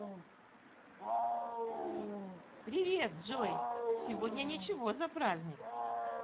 привет джой сегодня ничего за праздник